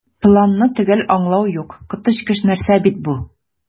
"планны төгәл аңлау юк, коточкыч нәрсә бит бу!"